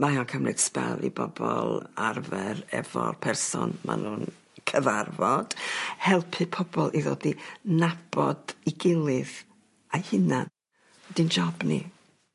mae o'n cymryd sbel i bobol arfer efo'r person ma' nw'n cyfarfod helpu pobol i ddod i nabod 'i gilydd a'i hunan 'di'n job ni.